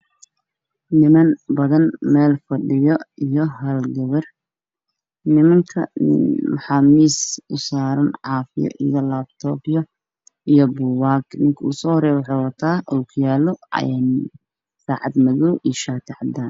Waa niman badan oo meel fadhiyo iyo hal gabar. Nimanka waxaa miiska u saaran biyo caafi iyo laabtoobyo iyo buugaag. Ninka ugu soo horeeyo waxuu wataa ookiyaalo, saacad madow iyo shaati cadaan ah.